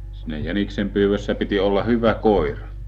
siinä jäniksenpyynnissä piti olla hyvä koira